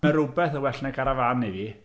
Ma' rywbeth yn well na carafán i fi.